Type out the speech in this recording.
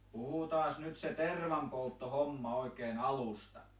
puhutaanpas nyt se tervanpolttohomma oikein alusta